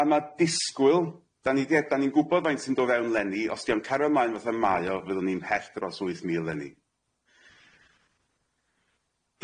A ma' disgwyl, 'dan ni 'di e- 'dan ni'n gwbod faint sy'n do' fewn leni os dio'n cario mlaen fatha mae o fyddwn ni'n mhell dros wyth mil leni.